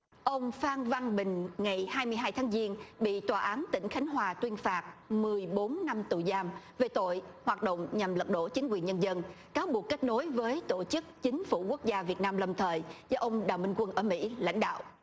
ông phan văn bình ngày hai mươi hai tháng giêng bị tòa án tỉnh khánh hòa tuyên phạt mười bốn năm tù giam về tội hoạt động nhằm lật đổ chính quyền nhân dân cáo buộc kết nối với tổ chức chính phủ quốc gia việt nam lâm thời do ông đào minh quân ở mỹ lãnh đạo